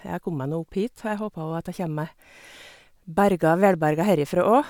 Ja, jeg kom meg nå opp hit, så jeg håper jo at jeg kjem meg berga velberga herifra òg.